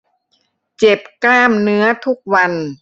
เจ็บกล้ามเนื้อทุกวัน